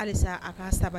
A ka sabali